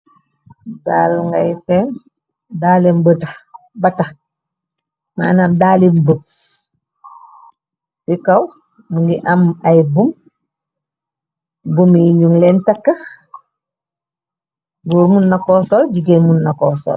Daale ngay seen, daalim bata, manam daali bëts, ci kaw mingi am ay bum, bumiy ñu leen takk, goor mun nako sol, jigéen mun nako sol.